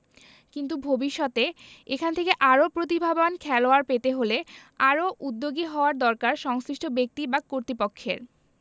কিন্তু ভবিষ্যতে এখান থেকে আরও প্রতিভাবান খেলোয়াড় পেতে হলে আরও উদ্যোগী হওয়া দরকার সংশ্লিষ্ট ব্যক্তি বা কর্তৃপক্ষের